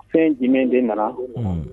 Fɛn jumɛn de nana? Unhun.